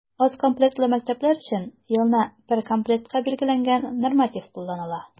Аз комплектлы мәктәпләр өчен елына бер комплектка билгеләнгән норматив кулланыла.